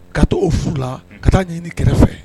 Ka to o furu la ka taa ɲɛɲini kɛrɛfɛ